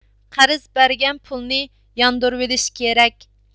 قەرز بەرگەن پۇلنى ياندۇرۇۋېلىش كېرەك